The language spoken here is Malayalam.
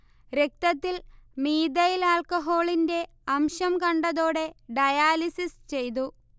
രക്തത്തിൽ മീഥൈൽ ആൽക്കഹോളിന്റെ അംശം കണ്ടതോടെ ഡയാലിസിസ് ചെയ്തു